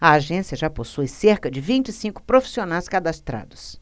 a agência já possui cerca de vinte e cinco profissionais cadastrados